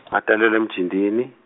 ngatalelwa eMjindini.